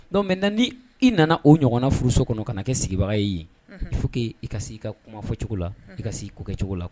Don mɛ nan n ni i nana o ɲɔgɔn furu so kɔnɔ ka kɛ sigibaga ye ye fo i ka i ka kumafɔcogo la i ka ko kɛ cogocogo la